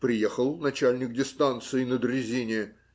Приехал начальник дистанции на дрезине